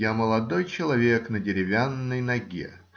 Я молодой человек на деревянной ноге.